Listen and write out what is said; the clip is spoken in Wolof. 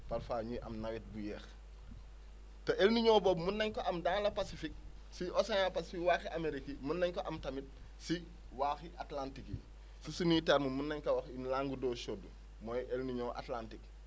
parfois :frañuy am nawet bu yéex te Elninio boobu mun nañ ko am dans le Pacifique si Océan Pacifique waaxi Amérique yi mun nañ ko am tamit si waxi Atlantique yi si suñuy termes mun nañu ko wax une langue d' eau chaude mooy Elninion Atlantique